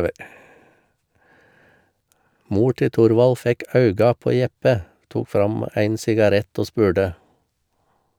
mor til Torvald fekk auga på Jeppe , tok fram ein sigarett, og spurde: